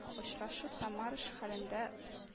Очрашу Самара шәһәрендә